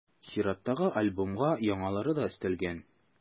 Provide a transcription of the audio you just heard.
Чираттагы альбомга яңалары да өстәлгән.